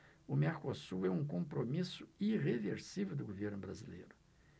o mercosul é um compromisso irreversível do governo brasileiro